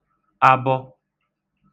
abọ